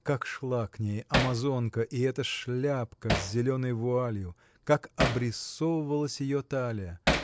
Как шла к ней амазонка и эта шляпка с зеленой вуалью! как обрисовывалась ее талия!